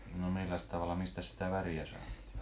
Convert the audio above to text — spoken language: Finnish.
no milläs tavalla mistäs sitä väriä saatiin